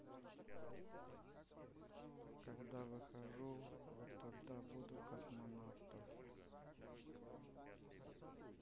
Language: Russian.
когда выхожу вот тогда буду космонавтов